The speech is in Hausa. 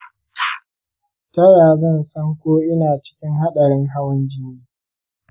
ta yaya zan san ko ina cikin haɗarin hawan jini?